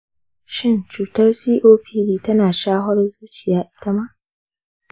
shin cutar copd tana shafar zuciya ita ma?